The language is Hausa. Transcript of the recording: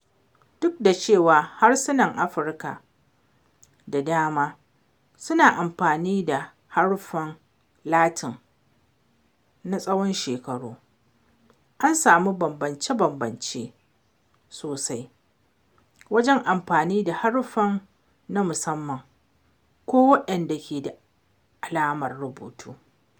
Duk da cewa harsunan Afrika da dama suna amfani da haruffan Latin na tsawon shekaru, an samu bambance-bambance sosai wajen amfani da haruffa na musamman ko waɗanda ke da alamar rubutu.